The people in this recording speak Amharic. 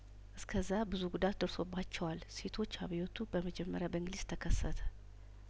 እስከዛ ብዙ ጉዳት ደርሶባቸዋል ሴቶች አብዮቱ በመጀመሪያበእንግሊዝ ተከሰተ